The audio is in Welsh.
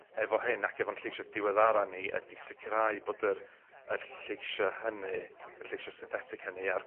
efo hyn ac efo'n lleisia' diweddara ni ydi sicirau bod yr yr lleisia' hynny y lleisia' synthetic hynny a'r